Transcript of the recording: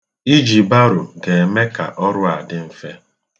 Iji baro ga-eme ka ọrụ a di mfe.